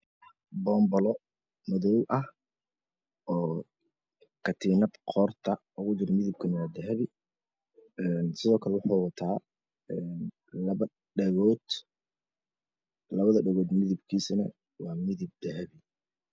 Bobilo oo madow ah katinadnah qorta uga jirto kalar kedo waa dahabi waxaa lajiro dhego kalar kode waa dahabi